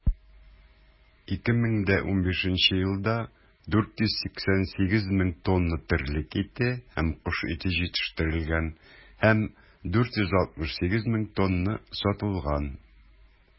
2015 елда 488 мең тонна терлек ите һәм кош ите җитештерелгән һәм 468 мең тонна сатылган.